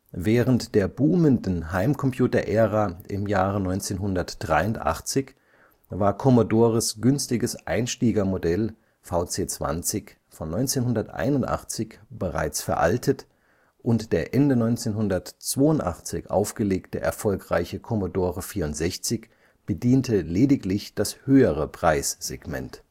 Während der boomenden Heimcomputerära im Jahre 1983 war Commodores günstiges Einsteigermodell VC 20 von 1981 bereits veraltet und der Ende 1982 aufgelegte erfolgreiche Commodore 64 bediente lediglich das höhere Preissegment